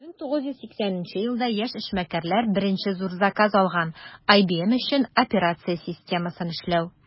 1980 елда яшь эшмәкәрләр беренче зур заказ алган - ibm өчен операция системасын эшләү.